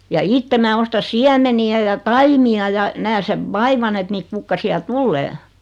ja itse minä ostan siemeniä ja taimia ja näen sen vaivan että niitä kukkasia tulee